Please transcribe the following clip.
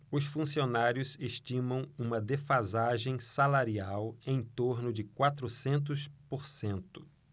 os funcionários estimam uma defasagem salarial em torno de quatrocentos por cento